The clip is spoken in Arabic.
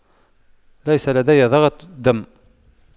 ليس لدي ضغط دم